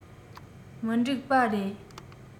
མི འགྲིག པ རེད